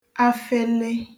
afele